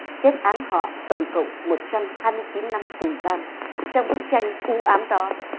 kết án họ tổng cộng một trăm hai mươi chín năm tù giam trong bức tranh u ám đó